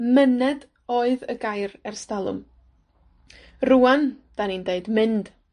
Myned oedd y gair ers dalwm. Rŵan 'dan ni'n deud mynd.